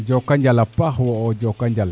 jokonjal a paax wo'o jokonjal